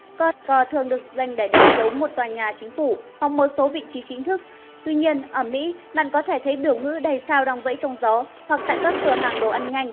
cờ thường được dành để đánh dấu một tòa nhà chính phủ hoặc một số vị trí chính thức tuy nhiên ở mỹ bạn có thể thấy biểu ngữ đầy sao đang vẫy trong gió hoặc tại các cửa hàng đồ ăn nhanh